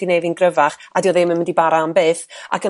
i neud fi'n gryfach a dio ddim yn mynd i bara am byth ac yn